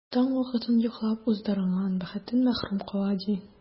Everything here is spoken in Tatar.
Таң вакытын йоклап уздырганнар бәхеттән мәхрүм кала, ди.